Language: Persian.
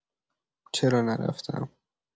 چرا نرفتم؟